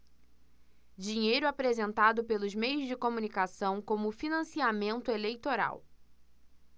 dinheiro apresentado pelos meios de comunicação como financiamento eleitoral